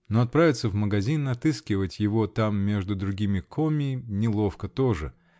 Но отправиться в магазин, отыскивать его там между другими комми -- неловко тоже.